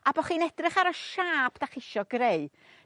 a bo' chi'n edrych ar y siâp 'dach ch'isio greu.